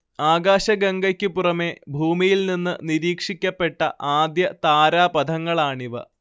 ആകാശഗംഗയ്ക്ക് പുറമെ ഭൂമിയിൽ നിന്ന് നിരീക്ഷിക്കപ്പെട്ട ആദ്യ താരാപഥങ്ങളാണിവ